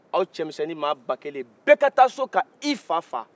aw cɛmisɛnnin maa ba kelen bɛɛ ka taa so ka i fa faga